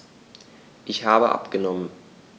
Ich habe abgenommen.